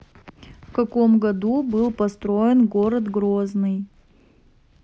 в каком году был построен город грозный